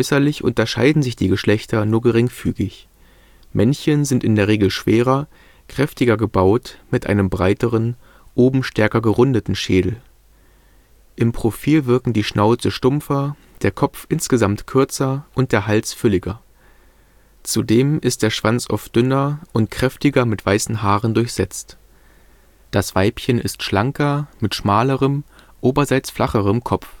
Äußerlich unterscheiden sich die Geschlechter nur geringfügig. Männchen sind in der Regel schwerer, kräftiger gebaut mit einem breiteren, oben stärker gerundeten Schädel. Im Profil wirken die Schnauze stumpfer, der Kopf insgesamt kürzer und der Hals fülliger. Zudem ist der Schwanz oft dünner und kräftiger mit weißen Haaren durchsetzt. Das Weibchen ist schlanker mit schmalerem, oberseits flacherem Kopf